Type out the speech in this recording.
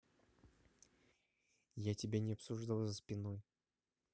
я тебя не обсуждал за спиной